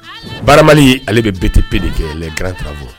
Bara ale bɛ bere tɛ pe de kɛ karankan bɔ